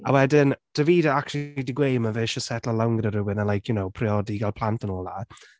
A wedyn Davide acshyli 'di gweud mae fe isio setlo lawr gyda rhywun a like, you know, priodi, cael plant and all that.